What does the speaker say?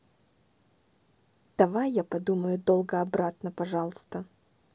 давай я подумаю долго обратно пожалуйста